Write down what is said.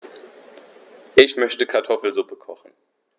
Ich möchte Kartoffelsuppe kochen.